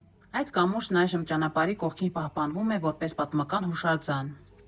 Այդ կամուրջն այժմ ճանապարհի կողքին պահպանվում է որպես պատմական հուշարձան։